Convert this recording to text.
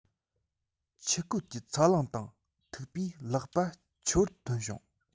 ཆུ སྐོལ གྱི ཚ རླངས དང ཐུག པས ལག པར ཆུ བུར ཐོན བྱུང